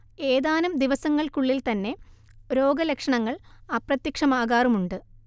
ഏതാനും ദിവസങ്ങൾക്കുള്ളിൽ തന്നെ രോഗലക്ഷണങ്ങൾ അപ്രത്യക്ഷമാകാറുമുണ്ട്